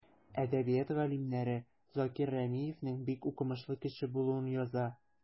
Әдәбият галимнәре Закир Рәмиевнең бик укымышлы кеше булуын яза.